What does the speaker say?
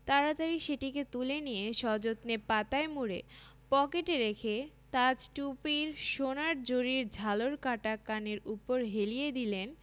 তাড়াতাড়ি সেটিকে তুলে নিয়ে সযত্নে পাতায় মুড়ে পকেটে রেখে তাজ টুপির সোনার জরির ঝালর কাটা কানের উপর হেলিয়ে দিলেন